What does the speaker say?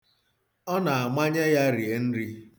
Ọ na-amanye ya rie nri